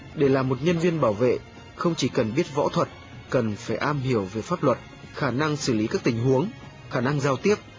để làm một nhân viên bảo vệ không chỉ cần biết võ thuật cần phải am hiểu về pháp luật khả năng xử lý các tình huống khả năng giao tiếp